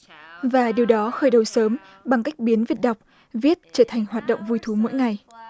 và điều đó khởi đầu sớm bằng cách biến việt đọc viết trở thành hoạt động vui thú mỗi ngày